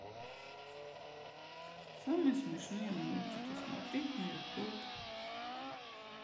самые смешные мультики смотреть на ютуб